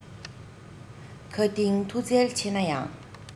མཁའ ལྡིང མཐུ རྩལ ཆེ ན ཡང